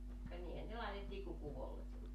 ka niinhän ne laitettiin kuin kuvollekin